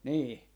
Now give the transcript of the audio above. niin